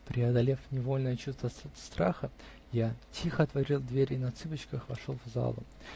преодолев невольное чувство страха, я тихо отворил дверь и на цыпочках вошел в залу.